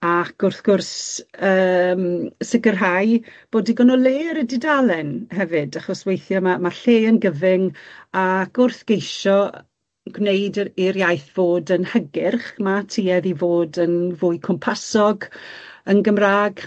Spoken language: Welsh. Ac wrth gwrs yym sicirhau bo' digon o le ar y dudalen hefyd achos weithie ma' ma' lle yn gyfyng ac wrth geisio gwneud yr i'r iaith fod yn hygyrch ma' tuedd i fod yn fwy cwmpasog yn Gymra'g.